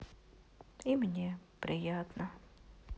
и мне приятно